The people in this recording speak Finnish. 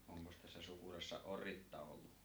onkos tässä Sukurassa oritta ollut